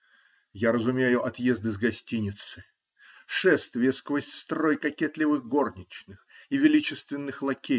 я разумею отъезд из гостиницы, шествие сквозь строй кокетливых горничных и величественных лакеев.